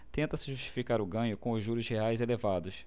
tenta-se justificar o ganho com os juros reais elevados